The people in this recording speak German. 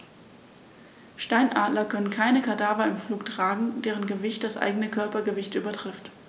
Steinadler können keine Kadaver im Flug tragen, deren Gewicht das eigene Körpergewicht übertrifft.